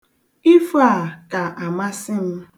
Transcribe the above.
Ifo a ka amasị m.